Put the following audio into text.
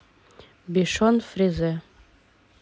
бишон фризе